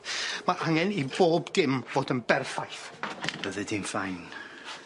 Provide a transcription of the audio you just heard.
Ma' hangen i bob dim bod yn berffaith. Byddi di'n ffein.